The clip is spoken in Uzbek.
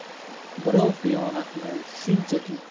birov xiyonatni shunchaki